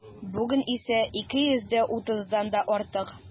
Бүген исә 230-дан да артык.